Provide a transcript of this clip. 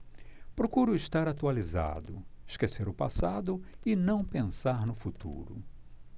procuro estar atualizado esquecer o passado e não pensar no futuro